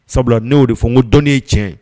Sabula ne y'o de fɔ n ko dɔnni ye tiɲɛ